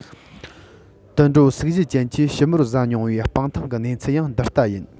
དུད འགྲོ སུག བཞི ཅན གྱིས ཞིབ མོར བཟའ མྱོང བའི སྤང ཐང གི གནས ཚུལ ཡང འདི ལྟ ཡིན